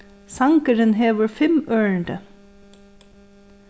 sangurin hevur fimm ørindi